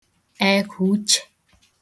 ekwhùuchè